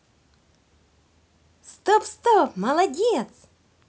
стоп стоп молодец